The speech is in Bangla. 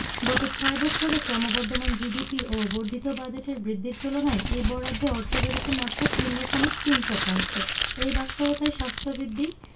গত ছয় বছরে ক্রমবর্ধমান জিডিপি ও বর্ধিত বাজেটের বৃদ্ধির তুলনায় এই বরাদ্দে অর্থ বেড়েছে মাত্র তিন দশমিক তিন শতাংশ এই বাস্তবতায় স্বাস্থ্যবিধি